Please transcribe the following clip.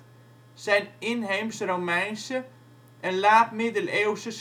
zijn inheems-Romeinse en laat-middeleeuwse